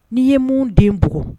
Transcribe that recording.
N'i ye mun den bugɔ